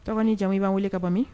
Tɔgɔ jamu i b'a wele kaban